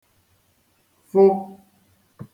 fụ